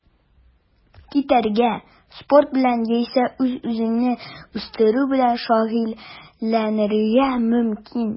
Китәргә, спорт белән яисә үз-үзеңне үстерү белән шөгыльләнергә мөмкин.